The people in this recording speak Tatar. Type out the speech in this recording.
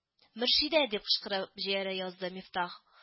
– мөршидә! – дип кычкырып җибәрә язды мифтах